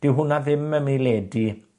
Dyw hwnna ddim yn myn' i ledu